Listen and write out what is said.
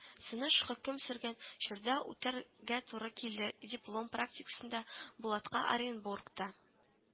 Сыныш хөкем сөргән чорда үтәргә туры киле диплом практикасында булатка оренбургта